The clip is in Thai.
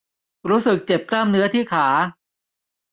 รู้สึกเจ็บกล้ามเนื้อที่ขา